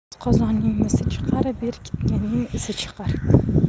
mis qozonning misi chiqar berkitganning isi chiqar